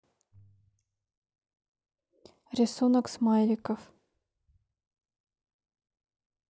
рисунок смайликов